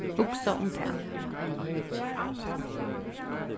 hugsað um tað